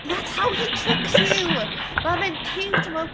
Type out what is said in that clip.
That's how he tricks you! Mae fe'n cute a ma'...